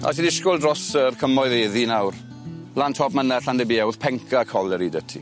A ti dishgwl dros yr cymoedd 'eddi nawr lan top mynna Llandybia o'dd Penca coleri 'dy ti.